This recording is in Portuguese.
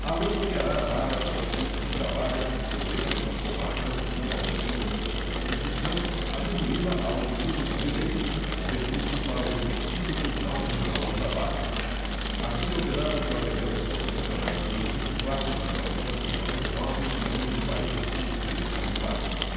a lei criará varas da justiça do trabalho podendo nas comarcas não abrangidas por sua jurisdição atribuí la aos juízes de direito com recurso para o respectivo tribunal regional do trabalho artigo alterada pelas emendas constitucionais número vinte e quatro de mil novecentos e noventa e nove e número quarenta e cinco de dois mil e quatro